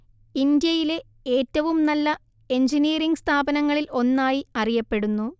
ഇന്ത്യയിലെ ഏറ്റവും നല്ല എഞ്ചിനീയറിങ് സ്ഥാപനങ്ങളിൽ ഒന്നായി അറിയപ്പെടുന്നു